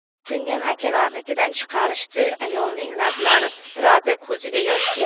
tutingan akalarinikidan chiqarishdi ayolning lablari titradi ko'ziga yosh keldi